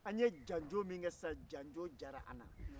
an ye janjo min kɛ sisan janjo diyara an na